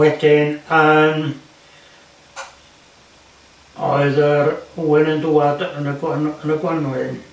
Wedyn yym o'dd yr wŷn yn dŵad yn y gwan- yn y Gwanwyn.